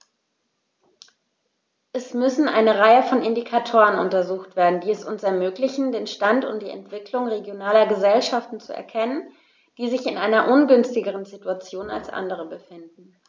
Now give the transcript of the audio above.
Es müssen eine Reihe von Indikatoren untersucht werden, die es uns ermöglichen, den Stand und die Entwicklung regionaler Gesellschaften zu erkennen, die sich in einer ungünstigeren Situation als andere befinden.